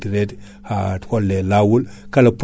Français ji nani ɗo e nder leydi Sénégal